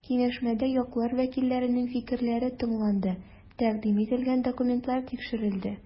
Киңәшмәдә яклар вәкилләренең фикерләре тыңланды, тәкъдим ителгән документлар тикшерелде.